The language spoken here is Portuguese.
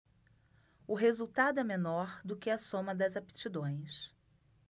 o resultado é menor do que a soma das aptidões